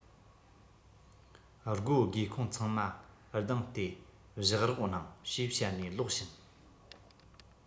སྒོ སྒེའུ ཁུང ཚང མ གདང སྟེ བཞག རོགས གནང ཞེས བཤད ནས ལོག ཕྱིན